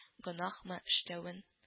Гонаһмы эшләвен